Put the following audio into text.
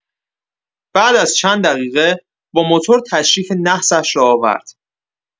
بعد از چند دقیقه با موتور تشریف نحسش را آورد.